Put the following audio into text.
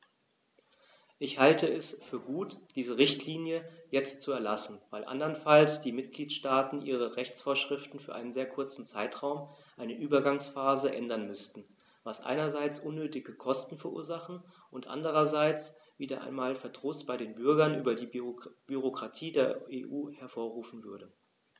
Ich halte es für gut, diese Richtlinie jetzt zu erlassen, weil anderenfalls die Mitgliedstaaten ihre Rechtsvorschriften für einen sehr kurzen Zeitraum, eine Übergangsphase, ändern müssten, was einerseits unnötige Kosten verursachen und andererseits wieder einmal Verdruss bei den Bürgern über die Bürokratie der EU hervorrufen würde.